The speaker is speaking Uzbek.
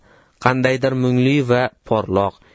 qandaydir mungli va porloq